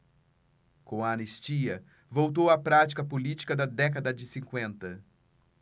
com a anistia voltou a prática política da década de cinquenta